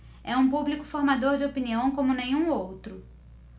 é um público formador de opinião como nenhum outro